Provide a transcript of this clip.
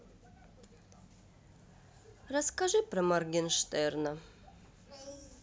расскажи про моргенштерна